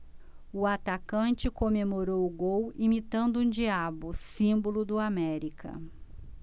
o atacante comemorou o gol imitando um diabo símbolo do américa